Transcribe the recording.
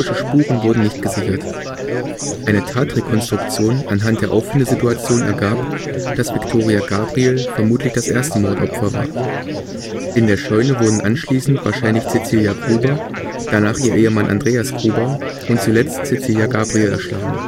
Spuren wurden nicht gesichert. Eine Tatrekonstruktion anhand der Auffindesituation ergab, dass Viktoria Gabriel vermutlich das erste Mordopfer war. In der Scheune wurden anschließend wahrscheinlich Cäzilia Gruber, danach ihr Ehemann Andreas Gruber und zuletzt Cäzilia Gabriel erschlagen